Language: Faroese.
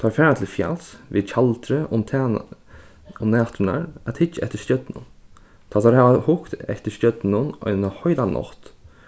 teir fara til fjals við tjaldri um um næturnar at hyggja eftir stjørnum tá teir hava hugt eftir stjørnunum eina heila nátt